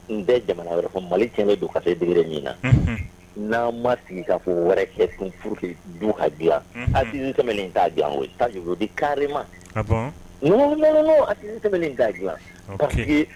N bɛ jamana wɛrɛ fɔ mali kɛmɛ bɛ don kafe digi min na n'an ma ka fɔ wɛrɛ kɛ tun furu du ka dila a' diya di karima da